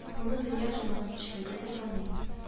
Моны дөнья җәмәгатьчелеге дә таный